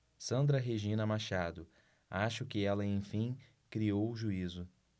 sandra regina machado acho que ela enfim criou juízo